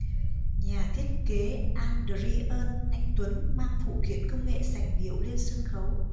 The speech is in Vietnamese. nhà thiết kế adrian anh tuấn mang phụ kiện công nghệ sành điệu lên sân khấu